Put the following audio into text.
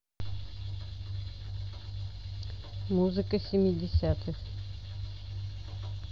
музыка семидесятых